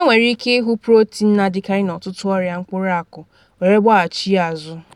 Ha nwere ike ‘ịhụ’ protin na-adịkarị n’ọtụtụ ọrịa mkpụrụ akụ, were gbaghachi ya azụ